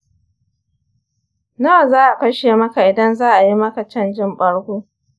nawa za'a kashe maka idan za'ayi maka canjin ɓargo.